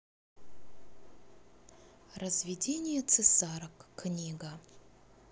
разведение цесарок книга